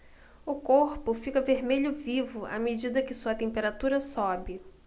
o corpo fica vermelho vivo à medida que sua temperatura sobe